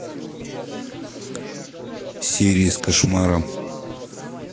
серии с кошмаром